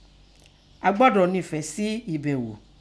A gbọ́dọ̀ ninfẹ se ebegho.